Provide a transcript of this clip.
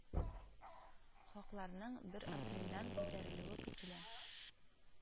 Хакларның бер апрельдән күтәрелүе көтелә